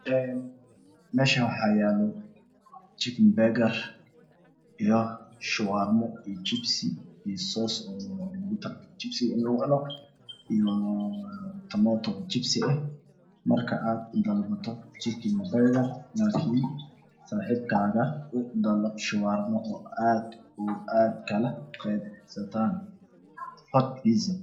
Meeshan waxaa iga muuqda biizo magaciisu yahay hoot pizza waxaa ku qoran marka aada dalbato shuhaarmo saaxiibka aada jikan siisay kooxda waa jaamac